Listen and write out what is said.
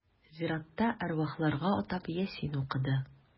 Зиратта әрвахларга атап Ясин укыды.